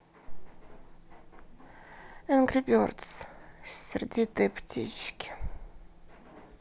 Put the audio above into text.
энгри бердс сердитые птички